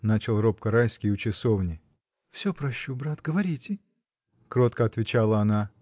— начал робко Райский у часовни. — Всё прощу, брат, говорите! — кротко отвечала она.